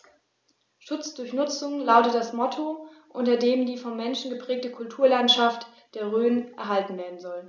„Schutz durch Nutzung“ lautet das Motto, unter dem die vom Menschen geprägte Kulturlandschaft der Rhön erhalten werden soll.